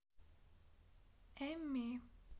amy